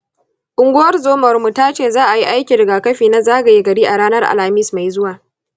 unguwarzomarmu ta ce za a yi aikin rigakafi na zagaye gari a ranar alhamis mai zuwa.